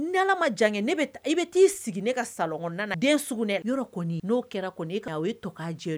Ni ma jankɛ ne i bɛ taa'i sigi ne ka saɔn den yɔrɔ kɔni n'o kɛra kɔni k' to jɛ